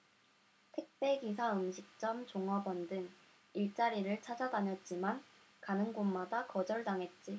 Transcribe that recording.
택배 기사 음식점 종업원 등 일자리를 찾아다녔지만 가는 곳마다 거절당했지